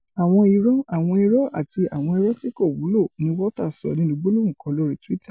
Àwọn irọ́, àwọn irọ́, àti àwọn irọ́ tíkòwúlò,'' ni Walters sọ nínú gbólóhùn kan lórí Twitter.